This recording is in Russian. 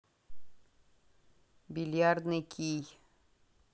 бильярдный кий